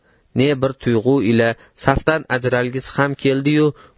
ne bir tuyg'u ila safdan ajralgisi ham keldi yu